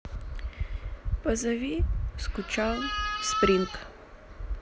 позови скучал спринг